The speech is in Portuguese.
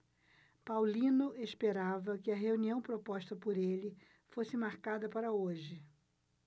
paulino esperava que a reunião proposta por ele fosse marcada para hoje